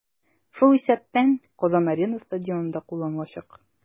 Шул исәптән "Казан-Арена" стадионы да кулланылачак.